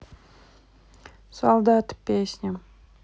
солдаты песня